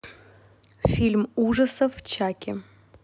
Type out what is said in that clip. фильм ужасов чаки